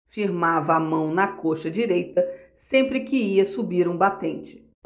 firmava a mão na coxa direita sempre que ia subir um batente